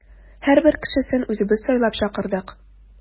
Һәрбер кешесен үзебез сайлап чакырдык.